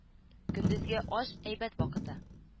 Көндезге аш әйбәт вакыты